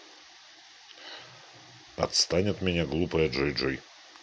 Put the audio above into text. отстань от меня глупая джой джой